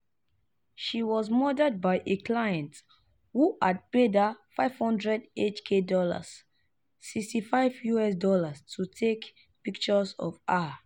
She was murdered by a client who had paid her HK$500 dollars (US$65) to take pictures of her.